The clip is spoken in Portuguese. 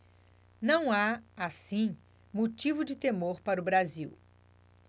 não há assim motivo de temor para o brasil